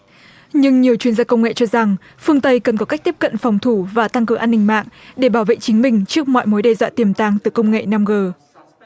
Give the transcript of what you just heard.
nhưng nhiều chuyên gia công nghệ cho rằng phương tây cần có cách tiếp cận phòng thủ và tăng cường an ninh mạng để bảo vệ chính mình trước mọi mối đe dọa tiềm tàng từ công nghệ năm gờ